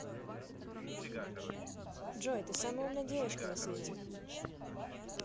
джой ты самая умная девочка на свете